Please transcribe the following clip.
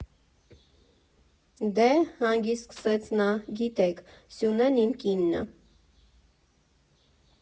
֊ Դե, ֊ հանգիստ սկսեց նա, ֊ գիտեք, Սյունեն իմ կինն ա։